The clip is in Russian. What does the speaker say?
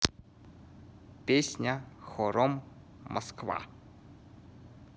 песня хором москва